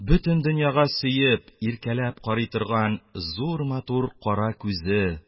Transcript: Бөтен дөньяга сөеп, иркәләп карый торган зур матур кара күзе...